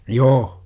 joo